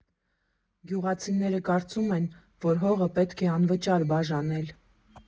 Գյուղացիները կարծում են, որ հողը պետք է անվճար բաժանել։